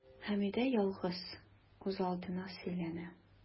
Хәмидә ялгыз, үзалдына сөйләнә.